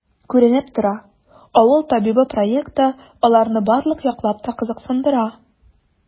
Күренеп тора,“Авыл табибы” проекты аларны барлык яклап та кызыксындыра.